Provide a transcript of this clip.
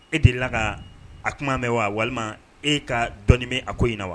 E delila ka a kuma mɛn wa walima e ka dɔni ma a ko in na wa